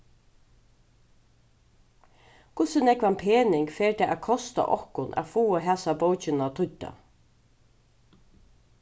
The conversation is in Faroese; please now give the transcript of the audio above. hvussu nógvan pening fer tað at kosta okkum at fáa hasa bókina týdda